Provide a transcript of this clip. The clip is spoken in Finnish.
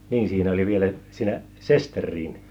niin siinä oli vielä siinä sesterikin